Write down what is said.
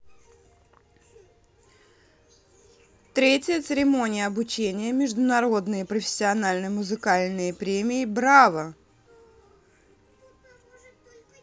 третья церемония обучения международные профессиональные музыкальные премии браво